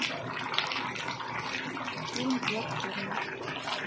фильм платформа